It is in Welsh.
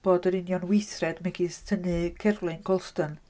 Bod yr union weithred megis tynnu cerflun Colston...